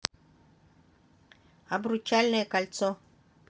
обручальное кольцо